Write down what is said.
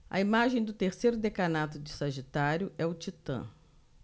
a imagem do terceiro decanato de sagitário é o titã